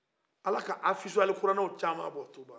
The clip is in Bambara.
ala ka hafizualikoranɛw cama bɔ tuba